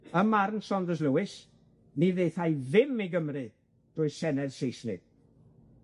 Y marn Saunders Lewis, ni ddaethai ddim i Gymru drwy'r Senedd Saesnig.